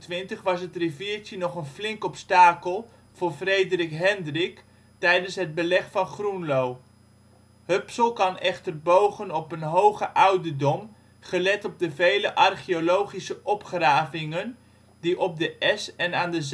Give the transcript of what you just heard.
1627 was het riviertje nog een flink obstakel voor Frederik Hendrik tijdens het beleg van Groenlo. Hupsel kan echter bogen op een hoge ouderdom gelet op de vele archeologische opgravingen die op de es en aan de zuidzijde